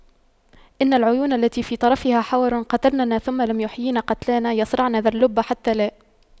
إن العيون التي في طرفها حور قتلننا ثم لم يحيين قتلانا يَصرَعْنَ ذا اللب حتى لا